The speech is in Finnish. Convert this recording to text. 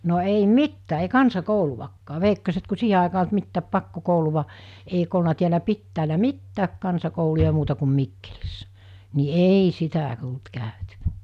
no ei mitään ei kansakoulua veikkoset kun siihen aikaan ollut mitään pakkokoulua eikö ollut täällä pitäjällä mitään kansakouluja muuta kuin Mikkelissä niin ei sitä tullut käytyä